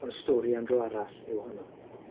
Ond stori am dro arall yw honno.